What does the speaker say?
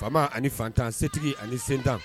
Fama ani fantan setigi ani sentan